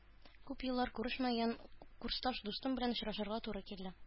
Күп еллар күрешмәгән курсташ дустым белән очрашырга туры килде